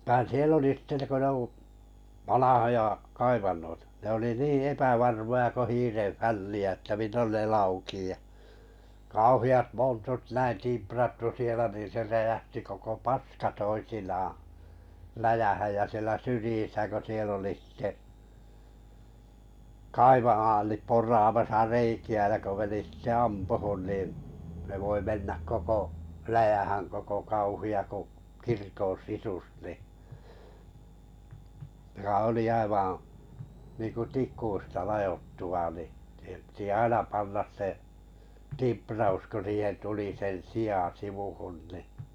vaan siellä oli sitten kun ne - vanhoja kaivantoja ne oli niin epävarmoja kun hiiren fälliä että milloin ne laukeaa ja kauheat montut näin timprattu siellä niin se räjähti koko paska toisinaan läjään ja siellä syrjissä kun siellä oli sitten kaivanaalit poraamassa reikiä ja kun meni sitten ampumaan niin ne voi mennä koko läjään koko kauhea kuin kirkon sisus niin joka oli niin kuin tikuista ladottu vain niin siihen piti aina panna se timpraus kun siihen tuli sen sijan sivuun niin